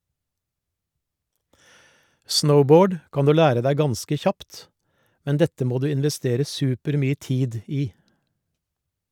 Snowboard kan du lære deg ganske kjapt, men dette må du investere supermye tid i.